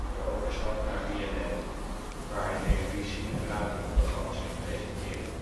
de overstap naar BNN waar hij televisie - en radioprogramma 's ging presenteren